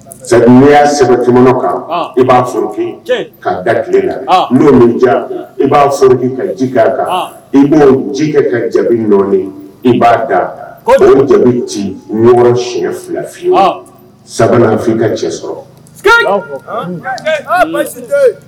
Sabu n ne y'a sɛbɛn tu kan i b'a forofin k'a da la n'o min ja i b'a ka ji'a kan i b'o ji kɛ ka jaabi nɔɔni i b'a da'o jaabi ci ɲɔgɔn siɲɛ fila sabananfin i ka cɛ sɔrɔ